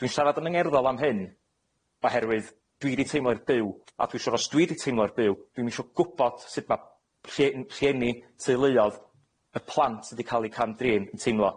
Dwi'n siarad yn yn angerddol am hyn oherwydd dwi 'di teimlo'r byw a dwi isi- os dwi 'di teimlo'r byw dwi'm isio gwbod sut ma' rhie- rhieni teuluodd y plant sy' 'di ca'l eu cam-drin yn teimlo.